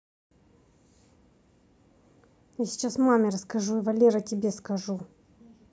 я сейчас маме расскажу и валера тебе скажу